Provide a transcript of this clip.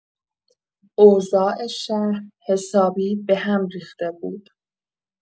اوضاع شهر حسابی به‌هم‌ریخته بود.